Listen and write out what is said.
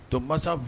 Donc masa